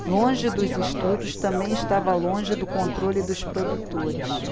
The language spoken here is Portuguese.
longe dos estúdios também estava longe do controle dos produtores